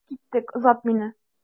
Киттек, озат мине.